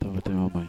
Taa taa ɲɔgɔn kan ye